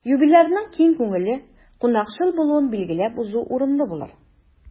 Юбилярның киң күңелле, кунакчыл булуын билгеләп узу урынлы булыр.